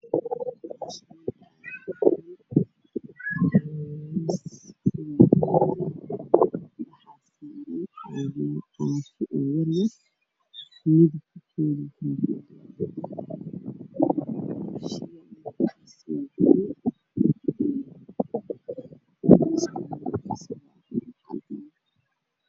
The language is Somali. Waxaa ii muuqda hool ayaaleen kuraas guduudan iyo miisaas cadcad waxaa dul saaran miisaska biyo-water ah waxay hoolka ku jiro laba nin mid fadhiya iyo mid taagan